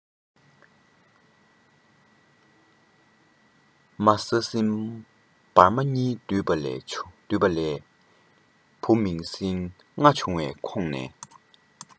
མ ས སྲིན འབར མ གཉིས འདུས པ ལས བུ ཚ མིང སྲིང ལྔ བྱུང བའི ཁོངས ནས